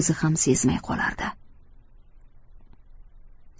sezmay qolar di